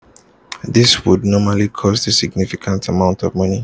These would normally cost a significant amount of money.